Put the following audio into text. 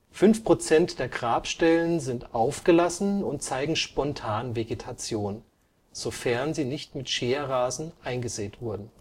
5 Prozent der Grabstellen sind aufgelassen und zeigen Spontanvegetation, sofern sie nicht mit Scherrasen eingesät wurden